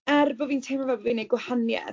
Er bod fi'n teimlo fel bod fi'n wneud gwahaniaeth.